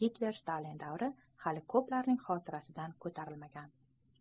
gitlerstalin davri hali ko'plarning xotirasidan ko'tarilmagan